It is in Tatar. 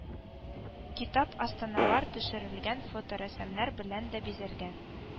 Китап астаналар төшерелгән фоторәсемнәр белән дә бизәлгән